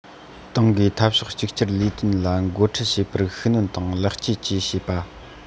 ཏང གིས འཐབ ཕྱོགས གཅིག གྱུར ལས དོན ལ འགོ ཁྲིད བྱེད པར ཤུགས སྣོན དང ལེགས བཅོས བཅས བྱེད པ